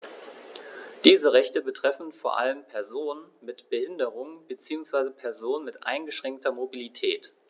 Diese Rechte betreffen vor allem Personen mit Behinderung beziehungsweise Personen mit eingeschränkter Mobilität.